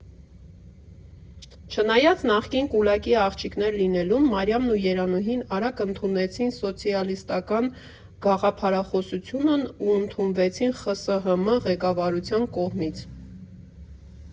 Չնայած նախկին կուլակի աղջիկներ լինելուն, Մարիամն ու Երանուհին արագ ընդունեցին սոցիալիստական գաղափարախոսությունն ու ընդունվեցին ԽՍՀՄ ղեկավարության կողմից։